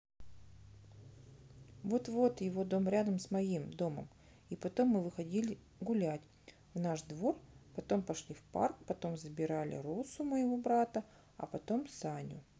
вот вот его дом рядом с моим домом и потом мы выходили гулять в наш двор потом пошли в парк потом забирали русу моего брата а потом саню